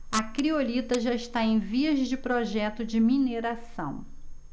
a criolita já está em vias de projeto de mineração